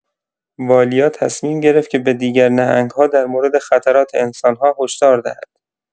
والیا تصمیم گرفت که به دیگر نهنگ‌ها در مورد خطرات انسان‌ها هشدار دهد.